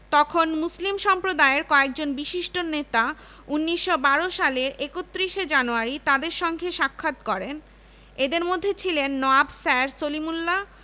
আব্দুল মুকতাদির ভূ তত্ত্ব বিভাগ শরাফৎ আলী গণিত বিভাগ সাদত আলী শিক্ষা ও গবেষণা ইনস্টিটিউট আতাউর রহমান খান খাদিম